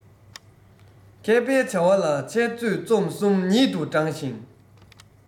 མཁས པའི བྱ བ ལ འཆད རྩོད རྩོམ གསུམ ཉིད དུ བགྲང ཞིང